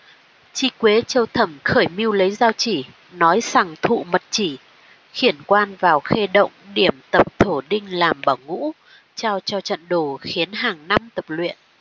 tri quế châu thẩm khởi mưu lấy giao chỉ nói sằng thụ mật chỉ khiển quan vào khê động điểm tập thổ đinh làm bảo ngũ trao cho trận đồ khiến hàng năm tập luyện